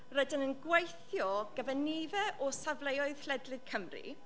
Rydyn yn gweithio gyda nifer o safleoedd ledled Cymru.